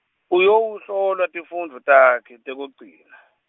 uyowuhlolwa tifundvo takhe, tekugcina.